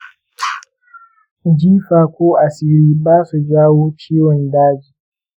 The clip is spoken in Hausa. jifa ko asiri basu jawo ciwon daji.